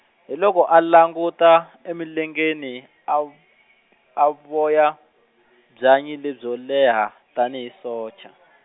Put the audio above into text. hi loko a languta, emilengeni a v- a vhoya byanyi lebyo leha, tanihi socha.